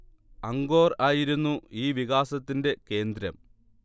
Angkor ആയിരുന്നു ഈ വികാസത്തിന്റെ കേന്ദ്രം